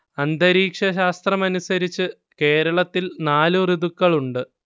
അന്തരീക്ഷ ശാസ്ത്രമനുസരിച്ച് കേരളത്തിൽ നാലു ഋതുക്കളുണ്ട്